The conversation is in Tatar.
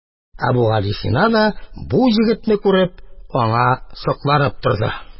Әбүгалисина да бу егетне күреп, аңа сокланып торды.